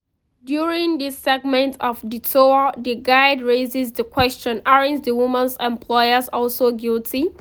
During this segment of the tour, the guide raises the question: aren't the woman's employers also guilty?